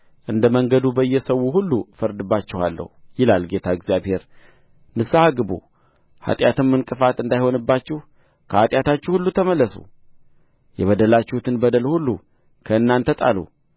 እንደ መንገዱ በየሰዉ ሁሉ እፈርድባችኋለሁ ይላል ጌታ እግዚአብሔር ንስሐ ግቡ ኃጢአትም ዕንቅፋት እንዳይሆንባችሁ ከኃጢአታችሁ ሁሉ ተመለሱ የበደላችሁትን በደል ሁሉ ከእናንተ ጣሉ